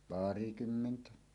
pari kymmentä